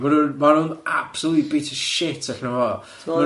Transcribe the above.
Ma' nw'n ma' nw'n absolutely beat the shit allan o fo.